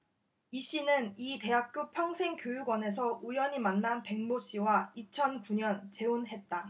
이씨는 이 대학교 평생교육원에서 우연히 만난 백모씨와 이천 구 년 재혼했다